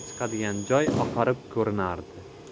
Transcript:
chiqadigan joy oqarib ko'rinardi